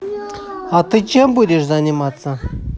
а ты чем будешь заниматься